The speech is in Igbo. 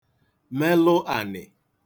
melụ ànị̀